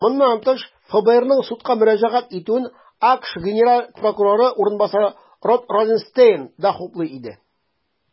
Моннан тыш, ФБРның судка мөрәҗәгать итүен АКШ генераль прокуроры урынбасары Род Розенстейн да хуплый иде.